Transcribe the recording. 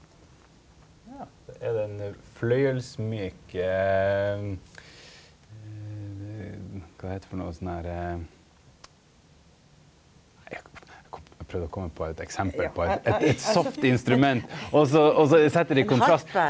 ja det er den fløyelsmjuke kva heiter det for noko sånn derre nei eg prøvde å komma på eit eksempel på eit eit eit soft instrument og så og så setja det i kontrast.